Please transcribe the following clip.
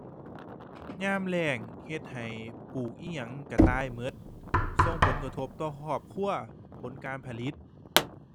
ยามแล้งเฮ็ดให้ปลูกอิหยังก็ตายก็ ส่งผลกระทบต่อครอบครัว ผลการผลิต